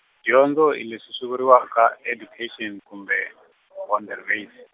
dyondzo hi leswi swi vuriwaka education kumbe, onderwys.